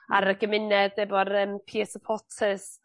ar y gymuned efo'r yym peer supporters